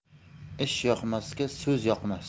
ishyoqmasga so'z yoqmas